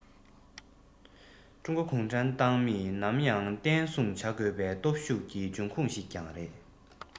ཀྲུང གོའི གུང ཁྲན ཏང མིས ནམ ཡང བརྟན སྲུང བྱ དགོས པའི སྟོབས ཤུགས ཀྱི འབྱུང ཁུངས ཤིག ཀྱང རེད